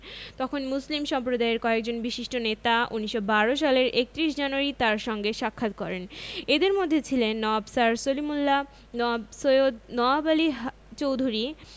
তখন মুসলিম সম্প্রদায়ের কয়েকজন বিশিষ্ট নেতা ১৯১২ সালের ৩১ জানুয়ারি তাঁর সঙ্গে সাক্ষাৎ করেন এঁদের মধ্যে ছিলেন নওয়াব স্যার সলিমুল্লাহ নওয়াব সৈয়দ নওয়াব আলী চৌধুরী